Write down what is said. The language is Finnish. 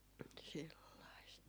sellaista